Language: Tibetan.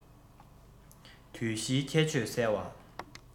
དུས བཞིའི ཁྱད ཆོས གསལ བ